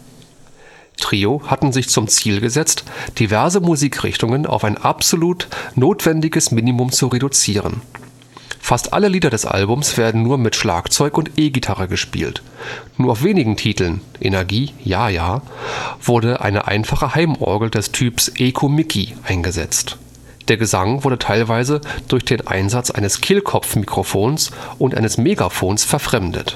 Trio hatten sich zum Ziel gesetzt, diverse Musikrichtungen auf ein absolut notwendiges Minimum zu reduzieren. Fast alle Lieder des Albums werden nur mit Schlagzeug und E-Gitarre gespielt. Nur auf wenigen Titeln (Energie, Ya Ya) wurde eine einfache Heimorgel des Typs „ EKO Micky “eingesetzt. Der Gesang wurde teilweise durch den Einsatz eines Kehlkopfmikrofons und eines Megafons verfremdet